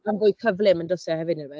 Mae'n fwy cyflym yn dylse hefyd ife?